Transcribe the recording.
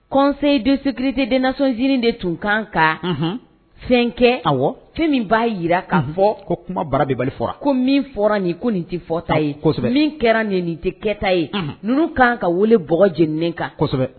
Conseil de sécurité des nations unis de tun kan ka. Anhan! fɛn kɛ. Awɔ,. Fɛn min b'a jira k'a fɔ. ko kuma bara bin bali fɔra. Ko min fɔra nin ko nin tɛ fɔta ye. Kosɛbɛ. Min kɛra nin nin tɛ kɛta ye. Unhun! Ninnu ka kan ka wele bɔgɔ jɛnini kan. Kosɛbɛ!